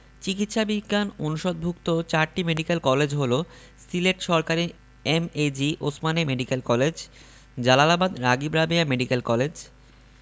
চিকিৎসা বিজ্ঞান অনুষদভুক্ত চারটি মেডিকেল কলেজ হলো সিলেট সরকারি MAG Osmani medical college Jalalabad Ragib Rabeya medical college